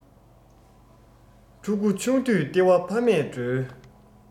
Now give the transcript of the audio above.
ཕྲུ གུ ཆུང དུས ལྟེ བ ཕ མས སྒྲོལ